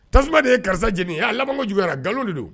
Tasuma de ye karisa jeni ɛɛ a labanko juguyara galon de don